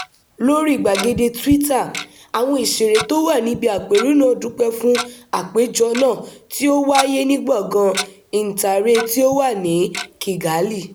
Lóríi gbàgede Twitter, àwọn òṣèré tó wà níbi àpérò náà dúpẹ́ fún àpéjọ náà tí ó wáyé ní gbọ̀ngan Intare tí ó wà ní Kigali: